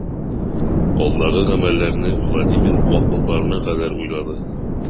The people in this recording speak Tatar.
Алдагы гамәлләрне Владимир ваклыкларына кадәр уйлады.